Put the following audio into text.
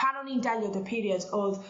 pan o'n i'n delio 'dy periods o'dd